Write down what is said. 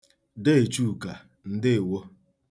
Dee Chuka, ndeewo!